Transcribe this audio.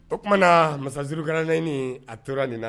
O tumaumana na masazurukara naaniɲini a tora nin na